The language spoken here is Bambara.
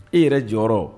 E yɛrɛ jɔyɔrɔ rɔ